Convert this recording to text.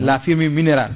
la fumée minérale